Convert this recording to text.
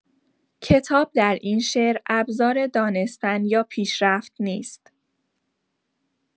کتاب در این شعر، ابزار دانستن یا پیشرفت نیست.